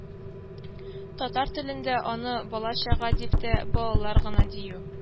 Татар телендә аны «бала-чага» дип тә «балалар» гына дию